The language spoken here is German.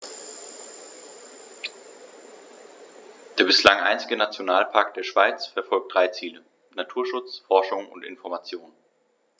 Der bislang einzige Nationalpark der Schweiz verfolgt drei Ziele: Naturschutz, Forschung und Information.